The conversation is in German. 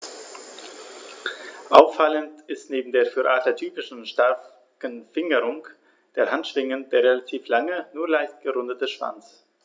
Auffallend ist neben der für Adler typischen starken Fingerung der Handschwingen der relativ lange, nur leicht gerundete Schwanz.